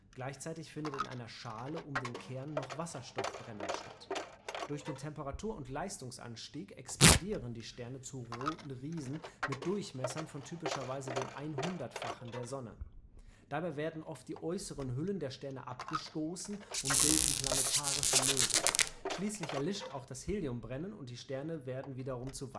Gleichzeitig findet in einer Schale um den Kern noch Wasserstoffbrennen statt. Durch den Temperatur - und Leistungsanstieg expandieren die Sterne zu Roten Riesen mit Durchmessern von typischerweise dem 100-fachen der Sonne. Dabei werden oft die äußeren Hüllen der Sterne abgestoßen und bilden Planetarische Nebel. Schließlich erlischt auch das Heliumbrennen und die Sterne werden zu Weißen